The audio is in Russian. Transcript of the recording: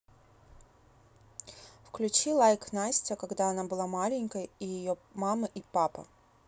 включи like nastya когда она была маленькой и ее мама и папа